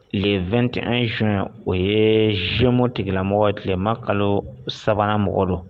2teɛn zɔn o ye zomo tigɛlamɔgɔ tilema kalo sabanan mɔgɔ don